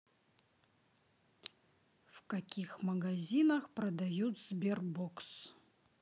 в каких магазинах продают sberbox